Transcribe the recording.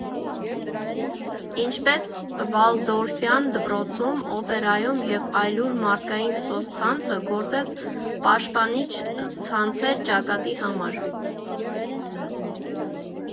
Ինչպես Վալդորֆյան դպրոցում, Օպերայում և այլուր մարդկային սոցցանցը գործեց պաշտպանիչ ցանցեր ճակատի համար։